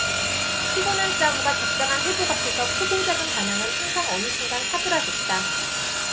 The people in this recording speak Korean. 피곤한 싸움과 적당한 회복 앞에서 크고 작은 반항은 항상 어느 순간 사그라졌다